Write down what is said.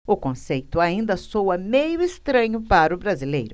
o conceito ainda soa meio estranho para o brasileiro